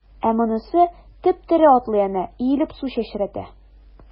Ә монысы— теп-тере, атлый әнә, иелеп су чәчрәтә.